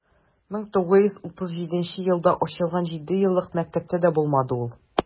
1937 елда ачылган җидееллык мәктәптә дә булмады ул.